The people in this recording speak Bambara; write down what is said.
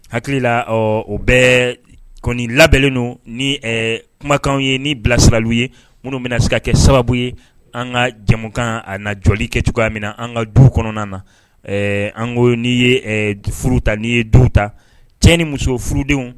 Hakili la o bɛ kɔni labɛnnen don ni kumakan ye ni bilasirarali ye minnu bɛna na se ka kɛ sababu ye an ka jɛkan a na jɔli kɛcogo na an ka du kɔnɔna na an n ye furu ni ye du ta cɛ ni muso furudenw